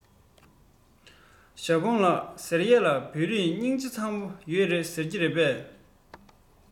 ཞའོ ཧྥུང ལགས ཟེར ཡས ལ བོད རིགས སྙིང རྗེ ཚ པོ ཡོད རེད ཟེར གྱིས རེད པས